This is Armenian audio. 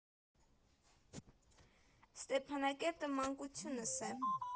Ստեփանակերտը մանկությունս է.